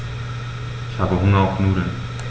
Ich habe Hunger auf Nudeln.